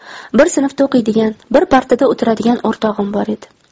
bir sinfda o'qiydigan bir partada o'tiradigan o'rtog'im bor edi